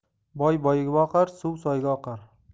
boy boyga boqar suv soyga oqar